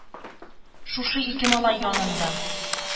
Шушы ике малай янында.